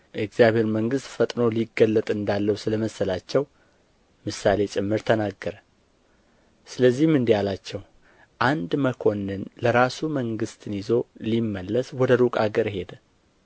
የእግዚአብሔርም መንግሥት ፈጥኖ ሊገለጥ እንዳለው ስለ መሰላቸው ምሳሌ ጭምር ተናገረ ስለዚህም እንዲህ አላቸው አንድ መኰንን ለራሱ መንግሥትን ይዞ ሊመለሰ ወደ ሩቅ አገር ሄደ